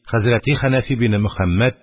Хәзрәти хәнәфи бине мөхәммәд,